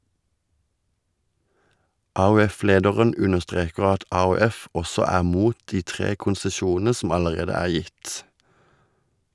AUF-lederen understreker at AUF også er mot de tre konsesjonene som allerede er gitt.